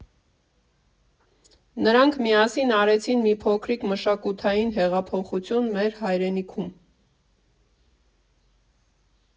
Նրանք միասին արեցին մի փոքրիկ մշակութային հեղափոխություն մեր հայրենիքում։